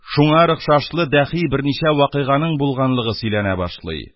Шуңар охшашлы дәхи берничә вакыйганың булганлыгы сөйләнә башлый;